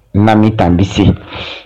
Na ni tan bɛ se